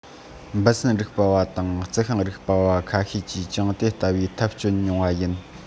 འབུ སྲིན རིག པ བ དང རྩི ཤིང རིག པ བ ཁ ཤས ཀྱིས ཀྱང དེ ལྟ བུའི ཐབས སྤྱོད མྱོང བ ཡིན